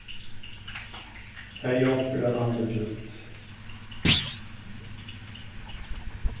tað hjálpir at anda djúpt